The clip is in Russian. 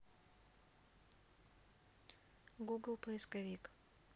google поисковик